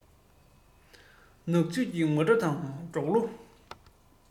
གནག ཕྱུགས ཀྱི ངུར སྒྲ དང འབྲོག གླུ